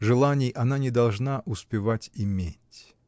Желаний она не должна успевать иметь.